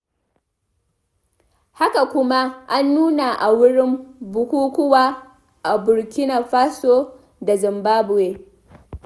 Haka kuma, an nuna a wurin bukukuwa a Burkina Faso da Zimbabwe.